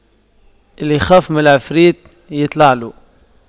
اللي يخاف من العفريت يطلع له